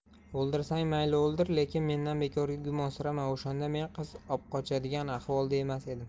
o'ldirsang mayli o'ldir lekin mendan bekorga gumonsirama o'shanda men qiz obqochadigan ahvolda emas edim